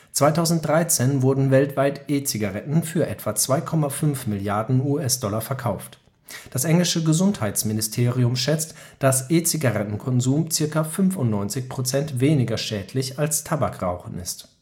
2013 wurden weltweit E-Zigaretten für etwa 2,5 Milliarden US-Dollar verkauft. Das englische Gesundheitsministerium schätzt, dass E-Zigarettenkonsum ca. 95 % weniger schädlich als Tabakrauchen ist